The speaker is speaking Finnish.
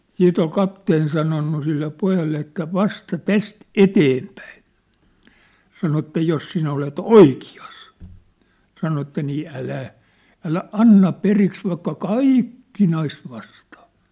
sitten oli kapteeni sanonut sille pojalle että vasta tästä eteenpäin sanoi että jos sinä olet oikeassa sanoi että niin älä älä anna periksi vaikka kaikki kinaisi vastaan